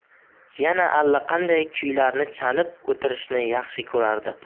yana allaqanday kuylarni chalib o'tirishni yaxshi ko'rardi